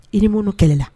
I nimunu kɛlɛla